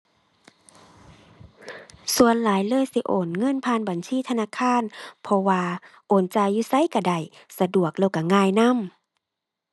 ส่วนหลายเลยสิโอนเงินผ่านบัญชีธนาคาร เพราะว่าโอนจ่ายอยู่ไสก็ได้ สะดวกแล้วก็ง่ายนำ